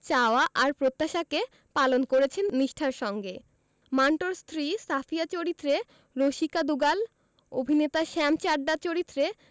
চাওয়া আর প্রত্যাশাকে পালন করেছেন নিষ্ঠার সঙ্গে মান্টোর স্ত্রী সাফিয়া চরিত্রে রসিকা দুগাল অভিনেতা শ্যাম চাড্ডার চরিত্রে